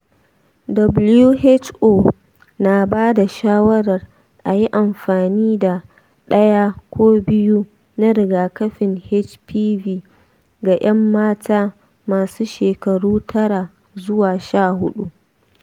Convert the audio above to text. who na ba da shawarar a yi amfani da ɗaya ko biyu na rigakafin hpv ga ƴan mata masu shekaru tara zuwa shahudu